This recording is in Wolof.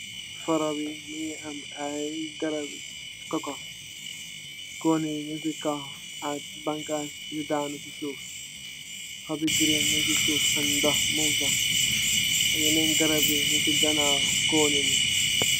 Faruh bi mungi aye garap bi cocoa kuleh yi nyung si kaw am bang khas yu danu si suff huup yu green mung si suff ak ndox mung fa am garap yu neka si ganaw kuleh bi